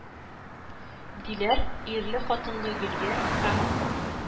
– диләр ирлехатынлы гөлия һәм